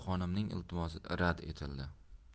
xonimning iltimosi rad etildi